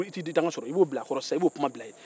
i tɛ dagan sɔrɔ